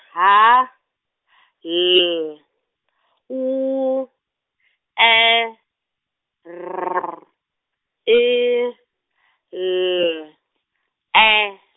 H L U E R I L E.